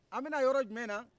an bɛ na yɔrɔ jumɛna